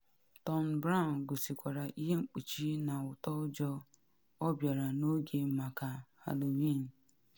Thom Browne gosikwara ihe mkpuchi na ụtọ ụjọ - ọ bịara n’oge maka Halloween.